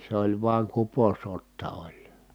se oli vain kuposotta oli